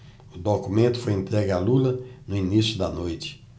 o documento foi entregue a lula no início da noite